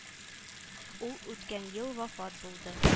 Ул үткән ел вафат булды